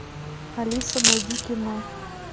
алиса найди кино